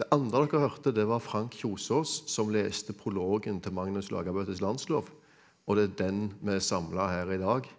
det andre dere hørte det var Frank Kjosås som leste prologen til Magnus Lagabøtes landslov og det er den vi er samla her i dag,